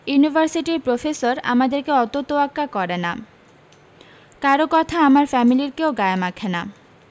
ইউনিভার্সিটির প্রফেসর আমাদেরকে অত তোয়াক্কা করে না কারও কথা আমার ফ্যামিলির কেউ গায়ে মাখে না